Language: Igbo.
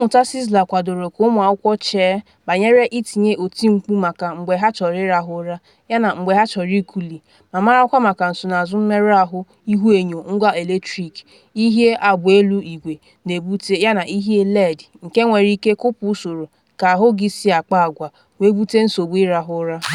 Ọkammụta Czeisler kwadoro ka ụmụ akwụkwọ chee banyere itinye otimkpu maka mgbe ha chọrọ ịrahụ ụra, yana mgbe ha chọrọ ikuli, ma marakwa maka nsonazụ mmerụ ahụ ihuenyo ngwa eletrọnịk “ihie agba elu igwe” na-ebute yana ihie LED, nke nwere ike kụpụ usoro ka ahụ gị si akpa agwa, we bute nsogbu ịrahụ ụra.